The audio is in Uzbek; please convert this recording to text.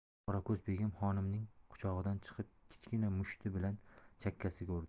qorako'z begim xonimning quchog'idan chiqib kichkina mushti bilan chakkasiga urdi